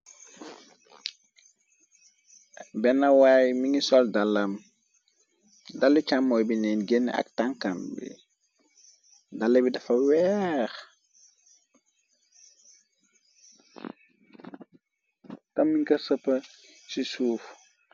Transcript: Bennawaay mingi sol dalam dalu chàmmooy bi neen genn ak tankam bi dala bi dafa weex tamnga sëpa ci suuf.